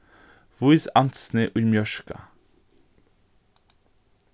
vís ansni í mjørka